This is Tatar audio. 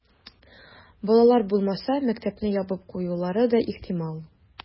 Балалар булмаса, мәктәпне ябып куюлары да ихтимал.